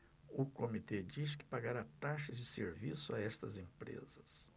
o comitê diz que pagará taxas de serviço a estas empresas